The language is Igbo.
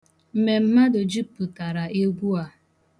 Mmemmadu jupụtara egwu a.